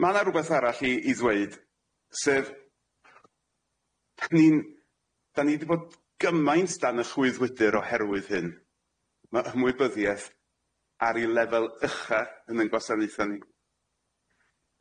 Ma' na rwbath arall i i ddweud sef, ni'n dan ni di bod gymaint dan y chwyddwydyr oherwydd hyn ma' ymwybyddieth ar ei lefel ucha yn ein gwasanaetha ni.